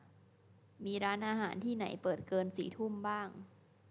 มีร้านอาหารที่ไหนเปิดเกินสี่ทุ่มบ้าง